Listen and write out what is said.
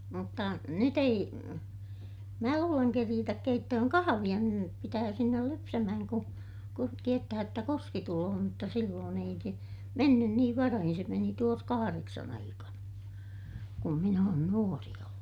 mutta nyt ei minä luulen keritä keittämään kahvia niiden pitää sinne lypsämään kun kun tiedetään jotta kuski tulee mutta silloin ei se mennyt niin varhain se meni tuossa kahdeksan aikana kun minä olen nuori ollut